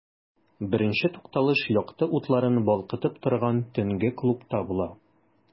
Беренче тукталыш якты утларын балкытып торган төнге клубта була.